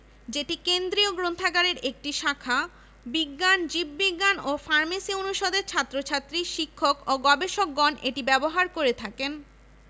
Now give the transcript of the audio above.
বর্তমানে এখানে ৩০ জন চিকিৎসক কর্মরত রয়েছেন সাধারণ চিকিৎসা ছাড়াও এখানে রয়েছে dental unit eye unit X ray বিভাগ এবং প্যাথলজিক্যাল পরীক্ষার সুবিধা